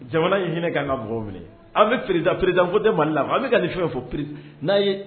Jamana in hinɛ kan ka mɔgɔw minɛ an bɛ président, président ko tɛ Mali la. An bi ka nin fɛn fɛn fɔ pre na ye